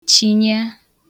chìnyịa